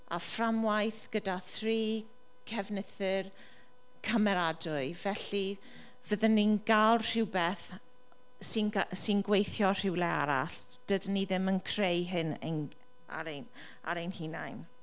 A fframwaith gyda thri cefneithr cymeradwy. Felly fyddwn ni'n gael rhywbeth sy'n ga- gweithio rhywle arall. Dydym ni ddim yn creu hyn eing- ar ein ar ein hunain.